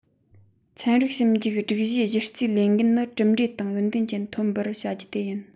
ཚན རིག ཞིབ འཇུག སྒྲིག གཞིའི གཞི རྩའི ལས འགན ནི གྲུབ འབྲས དང ཡོན ཏན ཅན འཐོན པར བྱ རྒྱུ དེ ཡིན